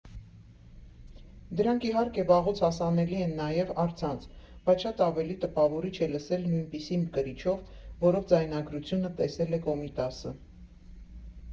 Դրանք, իհարկե, վաղուց հասանելի են նաև առցանց, բայց շատ ավելի տպավորիչ է լսել նույնպիսի կրիչով, որով ձայնագրությունը տեսել է Կոմիտասը։